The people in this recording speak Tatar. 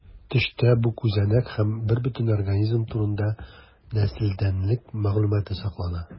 Төштә бу күзәнәк һәм бербөтен организм турында нәселдәнлек мәгълүматы саклана.